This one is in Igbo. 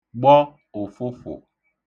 gbọ ụ̀fụfụ̀